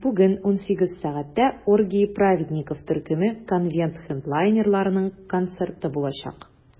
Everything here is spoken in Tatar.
Бүген 18 сәгатьтә "Оргии праведников" төркеме - конвент хедлайнерларының концерты булачак.